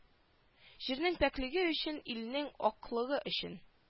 Җирнең пакьлеге өчен илнең аклыгы өчен